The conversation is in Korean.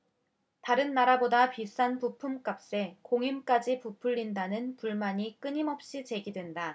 다른 나라보다 비싼 부품값에 공임까지 부풀린다는 불만이 끊임없이 제기된다